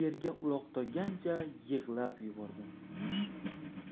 yerga uloqtirgancha yig'lab yubordim